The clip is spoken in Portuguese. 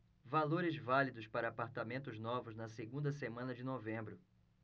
valores válidos para apartamentos novos na segunda semana de novembro